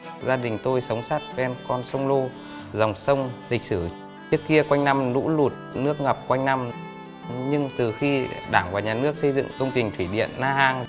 gia đình tôi sống sát ven con sông lô dòng sông lịch sử kia quanh năm lũ lụt nước ngập quanh năm nhưng từ khi đảng và nhà nước xây dựng công trình thủy điện na hang